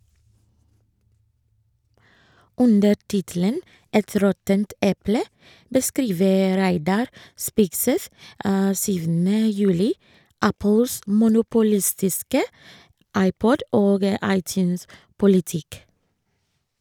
Under tittelen «Et råttent eple» beskriver Reidar Spigseth 7. juli Apples monopolistiske iPod- og iTunes-politikk.